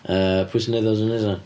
Yy pwy sy'n wneud o wythnos nesa?